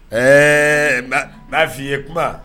Ɛɛ n'a f' ii ye kuma